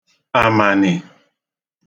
àmànị̀